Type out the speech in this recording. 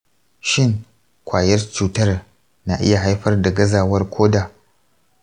shin kwayar cutar na iya haifar da gazawar koda?